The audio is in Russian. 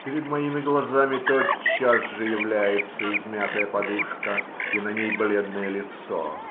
перед моими глазами тотчас же является измятая подушка и на ней бледное лицо.